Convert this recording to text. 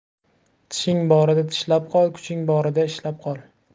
tishing borida tishlab qol kuching borida ishlab qol